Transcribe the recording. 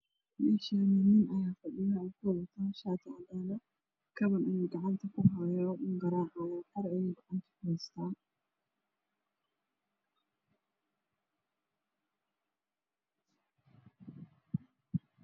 Meeshaani nin ayaa fadhiya wuxuu wataa shaati cadaan ah kaban ayuu gacanta ku haayaa uu garaacaayo xarig ayuu gacanta ku haystaa.